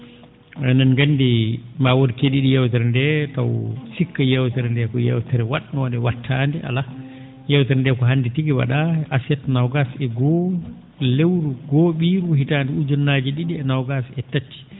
enen nganndi ma won ke?ii?o yeewtere ndee taw sikka yeewtere ndee ko yeewtere wa?noonde wattaa nde alaa yeewtere ndee ko hannde tigi wa?aa aset noogaas e goo lewru goho?iru hitaande ujunnaje ?i?i e noogaas e tati